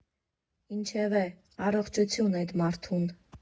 Ինչևէ, առողջություն էդ մարդուն։